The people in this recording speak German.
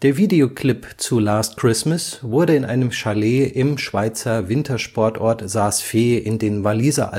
Video-Clip zu Last Christmas wurde in einem Chalet im Schweizer Wintersportort Saas Fee in den Walliser